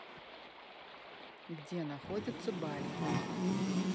где находится бали